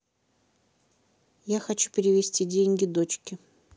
я хочу перевести деньги дочке